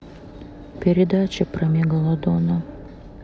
передача про мегалодона